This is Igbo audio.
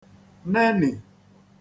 nenì